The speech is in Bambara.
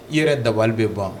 I yɛrɛ dabɔbalili bɛ ban